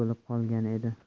bo'lib qolgan edi